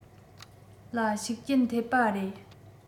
ལ ཤུགས རྐྱེན ཐེབས པ རེད